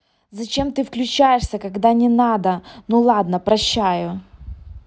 зачем ты включаешься когда не надо ну ладно прощаю